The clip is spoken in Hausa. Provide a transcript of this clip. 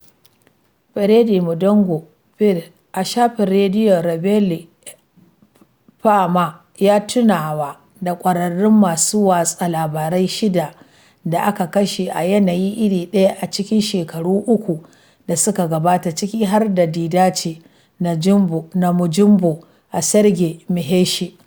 Freddy Mulongo [Fr] a shafin rediyon Revéil FM, ya tunawa da ƙwararrun masu watsa labarai shida da aka kashe a yanayi iri ɗaya a cikin shekaru uku da suka gabata, ciki har da Didace Namujimbo da Serge Maheshe.